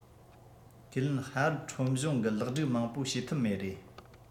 ཁས ལེན ཧྭ ཨེར ཁྲོམ གཞུང གི ལེགས སྒྲིག མང པོ བྱས ཐབས མེད རེད